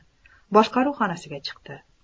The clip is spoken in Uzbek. boshqaruv xonasiga chiqdi